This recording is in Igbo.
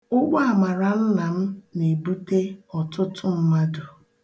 Ụgbọamara nna m na-ebute ọtụtụ mmadụ.